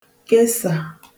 kesà